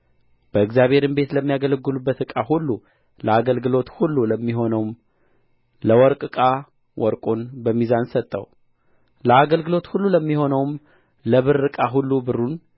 በእግዚአብሔርም ቤት ለሚያገለግሉበት ዕቃ ሁሉ ለአገልግሎት ሁሉ ለሚሆነውም ለወርቁ ዕቃ ወርቁን በሚዛን ሰጠው ለአገልግሎት ሁሉ ለሚሆነውም ለብር ዕቃ ሁሉ ብሩን